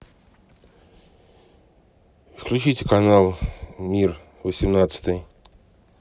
включите канал мир восемнадцатый